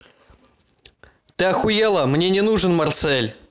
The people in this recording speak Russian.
ты охуела мне не нужен марсель